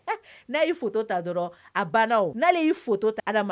N'a ye ta dɔrɔn a banna'ale y'i ma